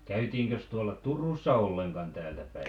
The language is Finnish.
käytiinkös tuolla Turussa ollenkaan täältä päin